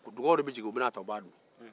ɔɔ dugaw de bɛ jigi u bɛ n 'a ta u b 'a dun